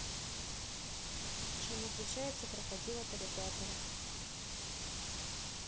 чем отличается крокодил от аллигатора